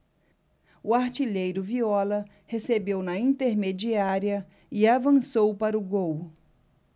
o artilheiro viola recebeu na intermediária e avançou para o gol